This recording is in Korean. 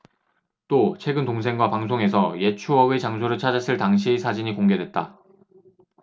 또 최근 동생과 방송에서 옛 추억의 장소를 찾았을 당시의 사진이 공개됐다